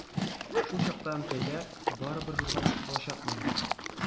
Шул чакта Әнкәйгә: ”Барыбер журналист булачакмын,